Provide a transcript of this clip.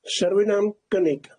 O's 'a rw'un am gynnig?